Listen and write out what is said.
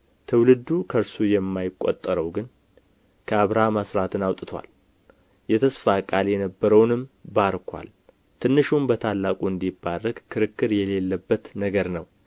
ትውልዱ ከእነርሱ የማይቈጠረው ግን ከአብርሃም አሥራትን አውጥቶአል የተስፋ ቃል የነበረውንም ባርኮአል ትንሹም በታላቁ እንዲባረክ ክርክር የሌለበት ነገር ነው